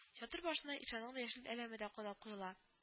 Чатыр башына ишанның да яшел әләме дә кадап куела